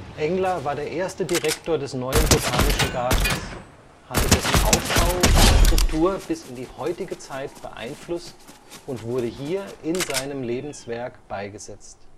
Engler war der erste Direktor des neuen Botanischen Gartens, hatte dessen Aufbau und Struktur bis in die heutige Zeit beeinflusst und wurde hier in seinem Lebenswerk beigesetzt